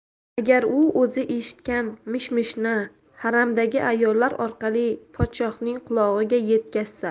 agar u o'zi eshitgan mish mishni haramdagi ayollar orqali podshohning qulog'iga yetkazsa